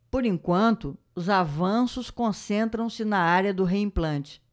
por enquanto os avanços concentram-se na área do reimplante